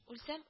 Үлсәм